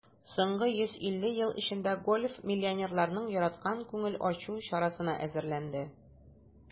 Соңгы 150 ел эчендә гольф миллионерларның яраткан күңел ачу чарасына әйләнде.